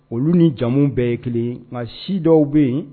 Olu ni jamu bɛɛ ye kelen nka si dɔw bɛ yen